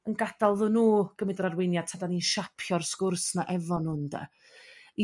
yn gada'l 'ddon nhw gymud yr arweiniad 'ta' dan ni'n siapio'r sgwrs 'na efo nhw 'nde?